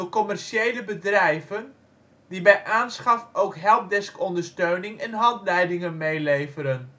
commerciële bedrijven die bij aanschaf ook helpdeskondersteuning en handleidingen meeleveren